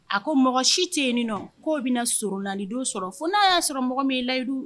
A ko mɔgɔ si tɛ yen nin nɔ k'o bɛna surun naani don sɔrɔ fo n'a y'a sɔrɔ mɔgɔ min' layidu